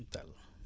Tall